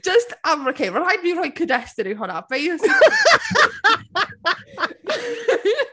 Jyst amokay, mae rhaid i fi rhoi cyd-destun i hwnna.